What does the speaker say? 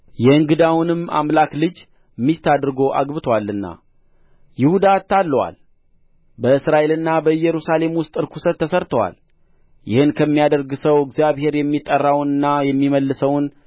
የእንግዳውንም አምላክ ልጅ ሚስት አድርጎ አግብቶአልና ይሁዳ አታልሎአል በእስራኤልና በኢየሩሳሌም ውስጥ ርኵሰት ተሠርቶአል ይህን ከሚያደርግ ሰው እግዚአብሔር የሚጠራውንና የሚመልሰውን